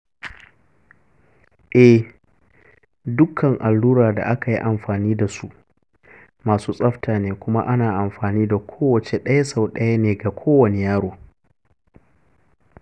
eh, dukkan allura da aka yi amfani da su masu tsafta ne kuma ana amfani da kowace ɗaya sau ɗaya ne ga kowane yaro.